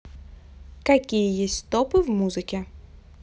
какие есть стопы в музыке